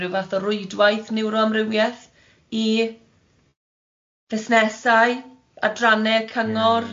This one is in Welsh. ryw fath o rwydwaith niwroamrywiaeth i fusnesau, adranne cyngor?